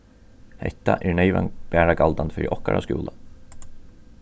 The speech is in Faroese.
hetta er neyvan bara galdandi fyri okkara skúla